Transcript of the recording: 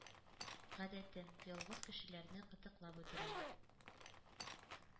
Гадәтем: ялгыз кешеләрне кытыклап үтерәм;